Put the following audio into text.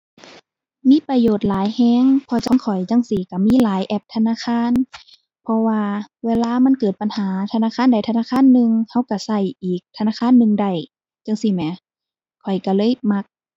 มีประโยชน์หลายแรง เพราะจั่งข้อยจั่งสิแรงมีหลายแอปธนาคาร เพราะว่าเวลามันเกิดปัญหาธนาคารใดธนาคารหนึ่งแรงแรงแรงอีกธนาคารหนึ่งได้ จั่งซี้แหม ข้อยแรงเลยมัก